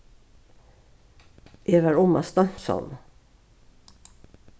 eg var um at steinsovna